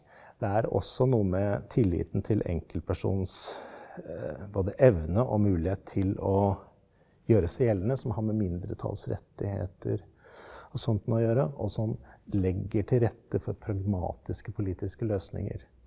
det er også noe med tilliten til enkeltpersonens både evne og mulighet til å gjøre seg gjeldende som har med mindretallsrettigheter og sånt noe å gjøre og som legger til rette for pragmatiske politiske løsninger.